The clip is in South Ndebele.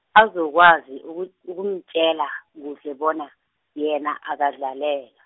azokwazi uku- ukumtjela, kuhle bona, yena akadlalelwa.